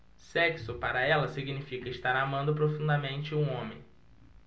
sexo para ela significa estar amando profundamente um homem